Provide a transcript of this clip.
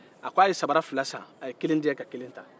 a ko a ye sabara fila san a ye kelen di yan ka kelen ta